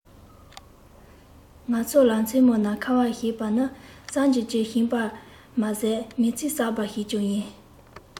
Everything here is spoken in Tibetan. ང ཚོ ལ མཚོན ན ཁ བ ཞེས པ ནི གསར འགྱུར ཞིག ཡིན པ མ ཟད མིང ཚིག གསར པ ཞིག ཀྱང ཡིན